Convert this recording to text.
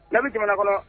Ne bɛ jamana kɔnɔ